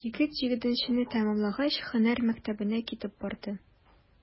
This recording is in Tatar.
Егет, җиденчене тәмамлагач, һөнәр мәктәбенә китеп барды.